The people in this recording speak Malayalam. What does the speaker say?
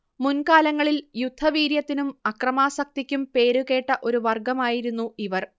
മുൻകാലങ്ങളിൽ യുദ്ധവീര്യത്തിനും അക്രമാസക്തിക്കും പേരുകേട്ട ഒരു വർഗ്ഗമായിരുന്നു ഇവർ